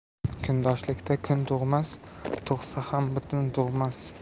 kundoshlikka kun tug'mas tug'sa ham butun tug'mas